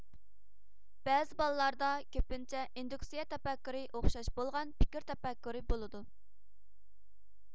بەزى بالىلاردا كۆپىنچە ئىندۇكسىيە تەپەككۇرى ئوخشاش بولغان پىكىر تەپەككۇرى بولىدۇ